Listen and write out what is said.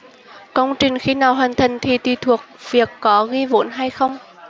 công trình khi nào hoàn thành thì tùy thuộc việc có ghi vốn hay không